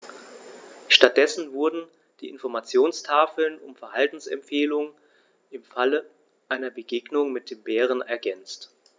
Stattdessen wurden die Informationstafeln um Verhaltensempfehlungen im Falle einer Begegnung mit dem Bären ergänzt.